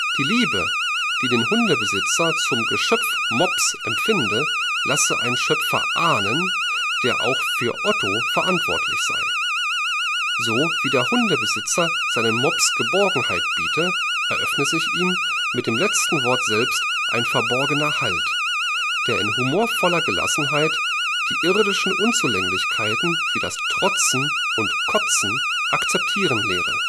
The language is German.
Die Liebe, die der Hundebesitzer zum Geschöpf „ mops “empfinde, lasse einen Schöpfer ahnen, der auch für Otto verantwortlich sei. So wie der Hundebesitzer seinem Mops Geborgenheit biete, eröffne sich ihm mit dem letzten Wort selbst ein verborgener Halt, der in humorvoller Gelassenheit die irdischen Unzulänglichkeiten wie das Trotzen und Kotzen akzeptieren lehre